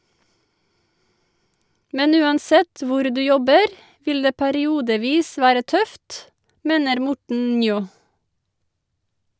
Men uansett hvor du jobber , vil det periodevis være tøft, mener Morten Njå.